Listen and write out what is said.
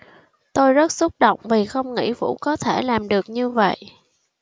tôi rất xúc động vì không nghĩ vũ có thể làm được như vậy